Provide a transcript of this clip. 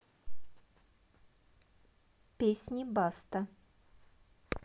песни баста